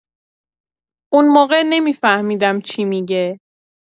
اون موقع نمی‌فهمیدم چی می‌گه.